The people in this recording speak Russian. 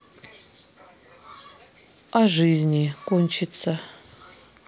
о жизни кончится